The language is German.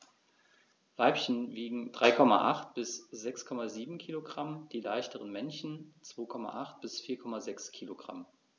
Weibchen wiegen 3,8 bis 6,7 kg, die leichteren Männchen 2,8 bis 4,6 kg.